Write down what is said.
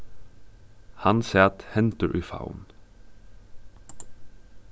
hann sat hendur í favn